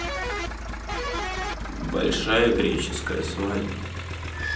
большая греческая свадьба